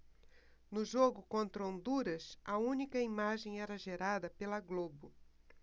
no jogo contra honduras a única imagem era gerada pela globo